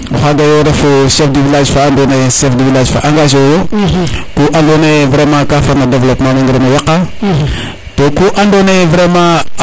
oxa ga yo refu Chef du village fa engager u yo ku ando naye vraiment ka far no developpement nangirano yaqa to ku ando naye vraiment